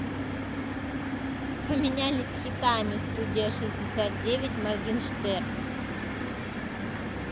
поменялись хитами студия шестьдесят девять моргенштерн